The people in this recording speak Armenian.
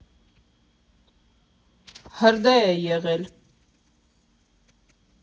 Հրդեհ է եղել։